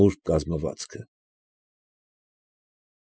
Նուրբ կազմվածքը։